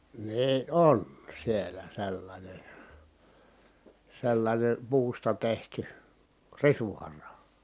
niin on siellä sellainen sellainen puusta tehty risuhara